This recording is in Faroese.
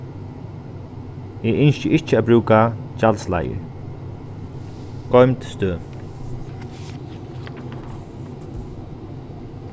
eg ynski ikki at brúka gjaldsleiðir goymd støð